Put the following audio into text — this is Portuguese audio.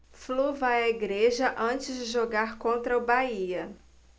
flu vai à igreja antes de jogar contra o bahia